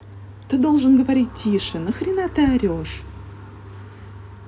ты должен говорить тише нахрена ты орешь